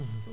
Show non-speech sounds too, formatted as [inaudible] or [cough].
[hesitation] [hesitation]